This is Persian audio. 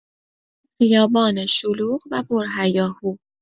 خیابان شلوغ و پرهیاهو